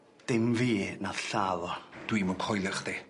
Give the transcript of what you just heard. Dim fi nath lladd o. Dwi'm yn coelio chdi.